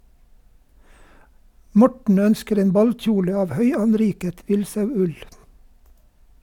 Morten ønsker en ballkjole av høyanriket villsauull.